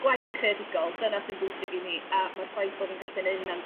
Gwaith creadigol dyna sy'n bwysig i mi a ma'r ffaith bo' fi'n gallu neud hynna'n